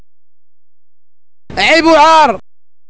عيب عار